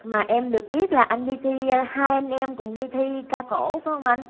mà em được biết là anh đi thi hai anh em cùng đi thi ca cổ phải không anh